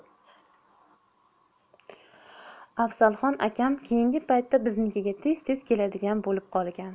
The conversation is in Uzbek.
afzalxon akam keyingi paytda biznikiga tez tez keladigan bo'lib qolgan